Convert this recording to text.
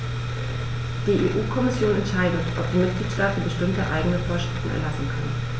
Die EU-Kommission entscheidet, ob die Mitgliedstaaten bestimmte eigene Vorschriften erlassen können.